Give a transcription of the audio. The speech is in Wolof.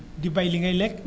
di bay li ngay lekk